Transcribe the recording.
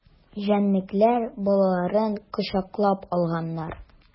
Җәнлекләр балаларын кочаклап алганнар.